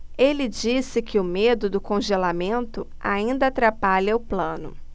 ele disse que o medo do congelamento ainda atrapalha o plano